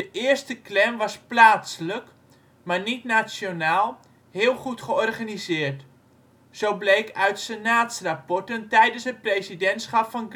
eerste Klan was plaatselijk (maar niet nationaal) heel goed georganiseerd, zo bleek uit Senaatsrapporten tijdens het presidentschap van